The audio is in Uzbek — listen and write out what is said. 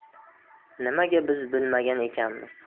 nimaga biz bilmagan ekanmiz